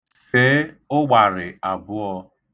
See ụgbarị abụọ.